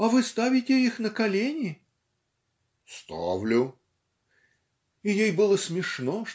- "А вы ставите их на колени?" - "Ставлю". "И ей было смешно